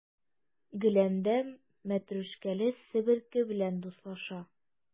Гөләндәм мәтрүшкәле себерке белән дуслаша.